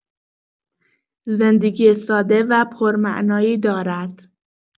زندگی ساده و پرمعنایی دارد.